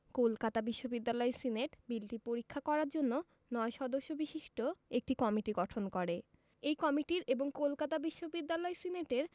কলকাতা বিশ্ববিদ্যালয় সিনেট বিলটি পরীক্ষা করার জন্য ৯ সদস্য বিশিষ্ট একটি কমিটি গঠন করে এই কমিটির এবং কলকাতা বিশ্ববিদ্যালয় সিনেটের